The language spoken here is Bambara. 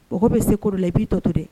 Mɔgɔ bɛ se ko la i b'i tɔ to dɛ